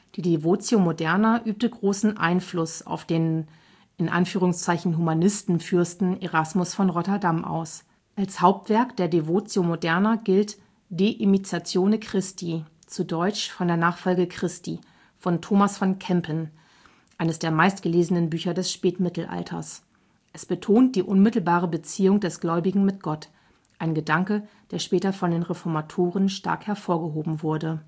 Die Devotio moderna übte großen Einfluss auf den „ Humanistenfürsten “Erasmus von Rotterdam aus. Als Hauptwerk der Devotio moderna gilt De imitatione Christi („ Von der Nachfolge Christi “) von Thomas von Kempen, eines der meistgelesenen Bücher des Spätmittelalters. Es betont die unmittelbare Beziehung des Gläubigen mit Gott, ein Gedanke, der später von den Reformatoren stark hervorgehoben wurde